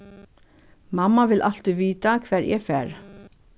mamma vil altíð vita hvar eg fari